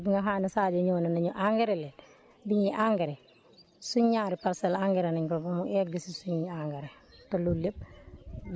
te ñun de wax dëgg yàlla keroog bi nga xam ne Sadio ñëw na ne ñu zngrais leen bi ñuy engrais suñ ñaari parcelles engrais nañ ko ba mu egg si suñuy engrais